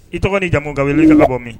I tɔgɔ ni jamumu ka wele jabɔ min